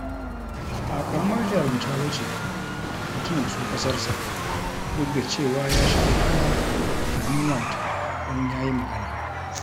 Ba ƙaramar jarumta ba ce mutum ya so ƙasarsa duk da cewa ya sha wahala a hannuwanta don ya yi magana.